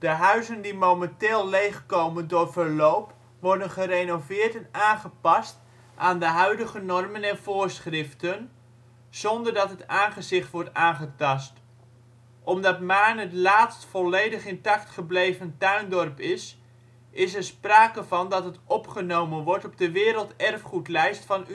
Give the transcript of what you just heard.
huizen die momenteel leegkomen door verloop worden gerenoveerd en aangepast aan de huidige normen en voorschriften, zonder dat het aangezicht wordt aangetast. Omdat Maarn het laatst volledig intact gebleven tuindorp is, is er sprake van dat het opgenomen wordt op de Werelderfgoedlijst van